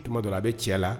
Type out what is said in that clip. Tuma don a bɛ ci la